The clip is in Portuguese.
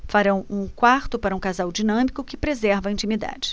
farão um quarto para um casal dinâmico que preserva a intimidade